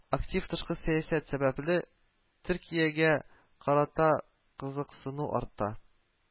Актив тышкы сәясәт сәбәпле, Төркиягә карата кызыксыну арта